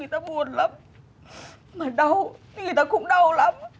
người ta buồn lắm mà đau người ta cũng đau lắm